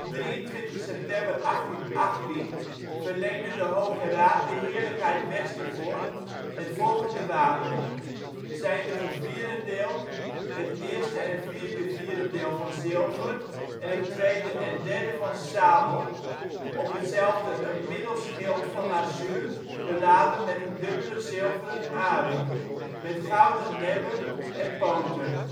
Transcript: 23 september 1818 verleende de Hoge Raad de Heerlijkheid Westervoort het volgende wapen: ' zijnde gevierendeeld; het eerste en vierde vierendeel van zilver en het tweede en derde van sabel, op hetzelfde een middelschild van lazuur beladen met een dubbelen zilveren arend, met gouden nebben en pooten